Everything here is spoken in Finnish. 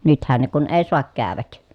nythän ne kun ei saa käydä